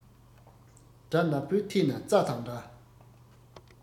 དགྲ ནག པོའི ཐད ན རྩྭ དང འདྲ